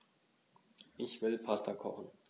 Ich will Pasta kochen.